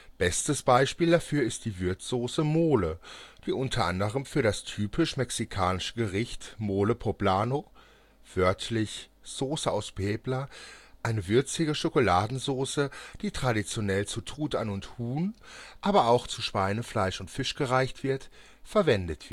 Bestes Beispiel dafür ist die Würzsauce Mole, die unter anderem für das typisch mexikanische Gericht Mole Poblano (wörtlich " Soße aus Puebla ", eine würzige Schokoladensauce, die traditionell zu Truthahn und Huhn, aber auch zu Schweinefleisch und Fisch gereicht wird) verwendet